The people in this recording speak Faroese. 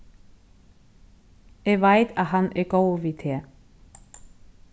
eg veit at hann er góður við teg